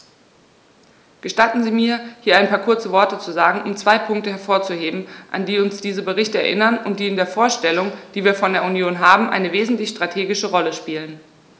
Gestatten Sie mir, hier ein paar kurze Worte zu sagen, um zwei Punkte hervorzuheben, an die uns diese Berichte erinnern und die in der Vorstellung, die wir von der Union haben, eine wesentliche strategische Rolle spielen.